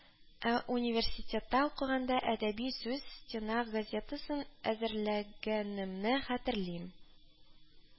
Ә университетта укыганда Әдәби сүз стена газетасын әзерләгәнемне хәтерлим